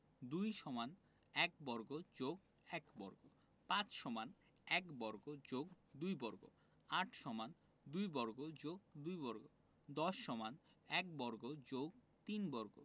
২=১^২+১^২ ৫=১^২+২^২ ৮=২^২+২^২ ১০=১^২+৩^২